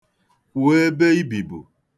Kwuo ebe i bibu.